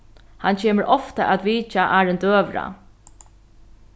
hann kemur ofta at vitja áðrenn døgurða